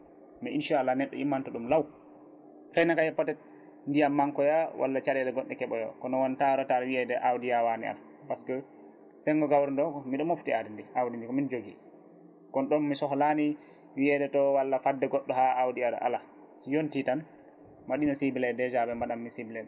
mais inchallah neɗɗo immanto ɗum laaw heyna kay peut être ndiyam makkoya wall caɗele govve koɓoyo kono wontarota wiiyede awdi yawani ar par ce que senggo gawri do miɗa mofti awdi ndi awdi ndi komin joogui kono ɗum mi sohlani wiiyede ɗo walla fadde goɗɗo ha awdi ara ala si yonti tan mi waɗino ciblé déjà ɓe mbaɗanmi ciblé ɓe